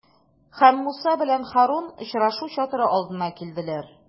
Һәм Муса белән Һарун очрашу чатыры алдына килделәр.